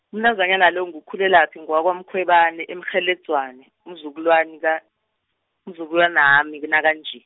umntazanyana lo nguKhulelaphi ngewakwaMkhwebani eMkgheledzwana, umzukulwanani ka-, umzukulwanami ki- nakanje.